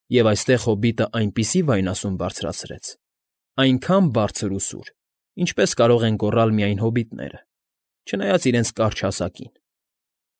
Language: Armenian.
Եվ այստեղ հոբիտն այնպիսի վայնասուն բարձրացրեց, այնքան բարձր ու սուր, ինչպես կարող են գոռալ միայն հոբիտները, չնայած իրենց կարճ հասակին։